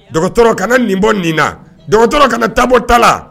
Tɔ ka nin bɔ nin natɔ ka taabɔ ta la